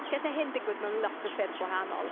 Gallai hyn ddigwydd mewn lot o ffyrdd gwahanol.